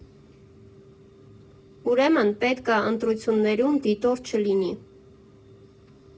Ուրեմն, պետք ա ընտրություններում դիտորդ չլինի։